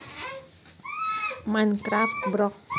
майнкрафт бро